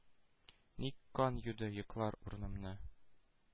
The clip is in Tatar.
Ник кан юды йоклар урнымны?